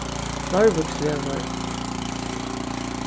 leirvíksvegur